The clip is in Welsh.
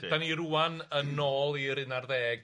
Felly 'dan ni rŵan yn nôl i'r un ar ddeg